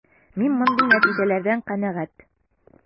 Мин мондый нәтиҗәләрдән канәгать.